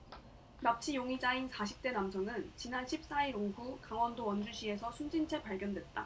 납치 용의자인 사십 대 남성은 지난 십 사 일 오후 강원도 원주시에서 숨진채 발견됐다